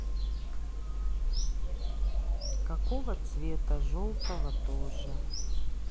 какого цвета желтого тоже